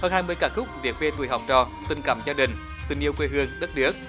hơn hai mươi ca khúc viết về tuổi học trò tình cảm gia đình tình yêu quê hương đất nước